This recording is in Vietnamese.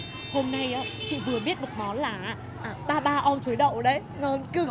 hôm nay á chị vừa biết được món là á ba ba om chuối đậu đấy ngon cực